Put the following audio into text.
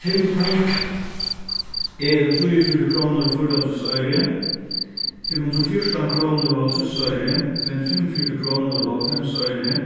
fimm pund eru trýogfjøruti krónur og fýraoghálvtrýss oyru fimm hundrað og fjúrtan krónur og hálvtrýss oyru tvey hundrað og fimmogfjøruti krónur og hálvfems oyru